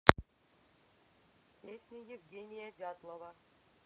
песня евгения дятлова